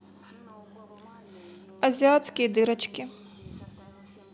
азиатские дырочки